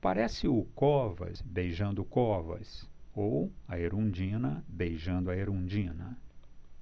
parece o covas beijando o covas ou a erundina beijando a erundina